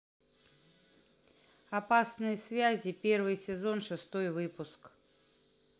опасные связи первый сезон шестой выпуск